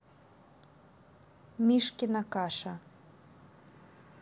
мишкина каша